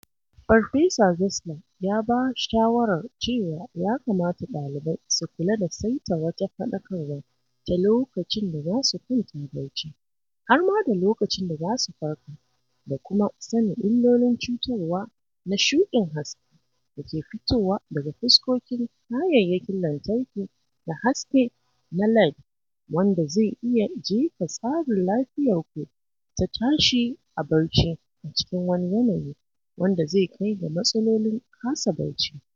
Farfesa Czeisler ya ba shawarar cewa ya kamata ɗalibai su kula da saita wata faɗakarwa ta lokacin da za su kwanta barci, har ma da lokacin da za su farka, da kuma sanin illolin cutarwa na ‘shuɗin haske’ da ke fitowa daga fuskokin kayayyakin lantarki da haske na LED, wanda zai iya jefa tsarin lafiyarku ta tashi a barci a cikin wani yanayi, wanda zai kai ga matsalolin kasa barci.